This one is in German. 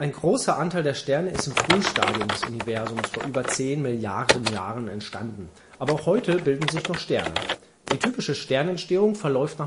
großer Anteil der Sterne ist im Frühstadium des Universums vor über 10 Milliarden Jahren entstanden. Aber auch heute bilden sich noch Sterne. Die typische Sternentstehung verläuft